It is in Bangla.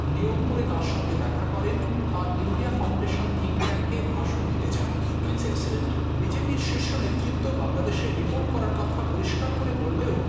নিয়ম করে তার সঙ্গে দেখা করেন আর ইন্ডিয়া ফাউন্ডেশন থিঙ্ক ট্যাংক এ ভাষণ দিতে যান এক্সিলেন্ট বাংলা বিজেপির শীর্ষ নেতৃত্ব বাংলাদেশ ডিপোর্ট করার কথা পরিষ্কার করে বললেও